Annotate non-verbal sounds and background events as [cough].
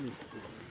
[hesitation] [hesitation]